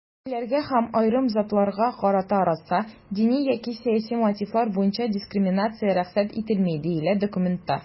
"илләргә һәм аерым затларга карата раса, дини яки сәяси мотивлар буенча дискриминация рөхсәт ителми", - диелә документта.